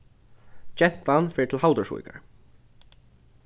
gentan fer til haldórsvíkar